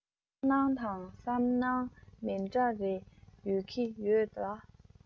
མཐོང སྣང དང བསམ སྣང མི འདྲ རེ ཡོང གི ཡོད ལ